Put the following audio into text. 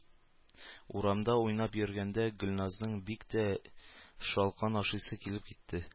Урамда уйнап йөргәндә Гөльназның бик тә шалкан ашыйсы килеп китте